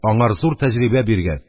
Аңар зур тәҗрибә биргән